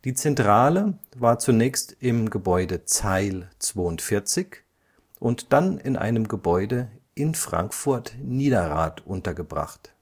Zentrale war zunächst im Gebäude Zeil 42 (heute als Oberlandesgericht Frankfurt am Main genutzt) und dann in einem Gebäude in Frankfurt-Niederrad untergebracht